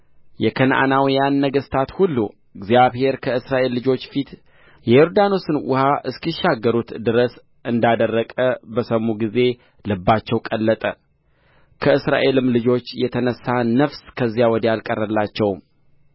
የከነዓናውያን ነገሥት ሁሉ እግዚአብሔር ከእስራኤል ልጆች ፊት የዮርዳኖስን ውኃ እስኪሻገሩት ድረስ እንዳደረቀ በሰሙ ጊዜ ልባቸው ቀለጠ ከእስራኤልም ልጆች የተነሣ ነፍስ ከዚያ ወዲያ አልቀረላቸውም